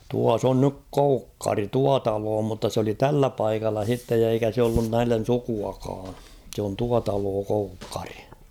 tuossa on nyt Koukkari tuo talo mutta se oli tällä paikalla sitten ja eikä se ollut näille sukuakaan se on tuo talo Koukkari